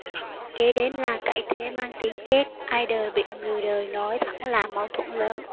kế đến là cãi thế mang tiếng chết ai đời bị người đời nói thẳng là mâu thuẫn lớn